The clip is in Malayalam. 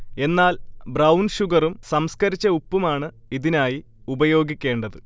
എന്നാൽ ബ്രൌൺ ഷുഗറും സംസ്കരിച്ച ഉപ്പുമാണ് ഇതിനായി ഉപയോഗിക്കേണ്ടത്